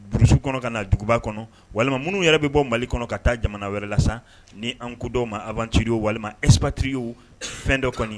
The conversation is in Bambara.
Urusi kɔnɔ ka na duguba kɔnɔ walima minnu yɛrɛ bɛ bɔ mali kɔnɔ ka taa jamana wɛrɛ la sa ni an ko ma abanci'o walima espti y'o fɛn dɔ kɔni